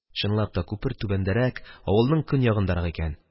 Чынлап та, күпер түбәндәрәк, авылның көньягындарак икән